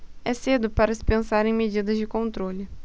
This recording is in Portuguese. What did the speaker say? é cedo para se pensar em medidas de controle